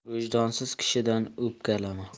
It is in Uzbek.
vijdonsiz kishidan o'pkalama